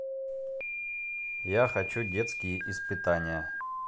я хочу детские испытания